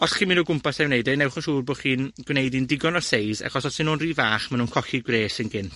os chi'n myn' o gwmpas a'i wneud e newch yn siŵr bo' chi'n gwneud un digon o seis, achos os 'yn nw'n rhy fach, ma' nw'n colli gwres yn gynt.